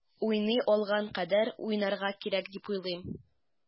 Уйный алган кадәр уйнарга кирәк дип уйлыйм.